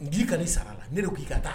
N d'i ka i sara la ne de ko' i ka taa